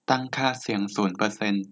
ตั้งค่าเสียงศูนย์เปอร์เซนต์